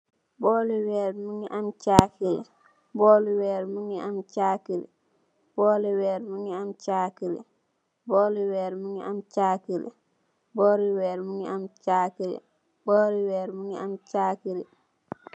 Booli weer, mungi am chakery.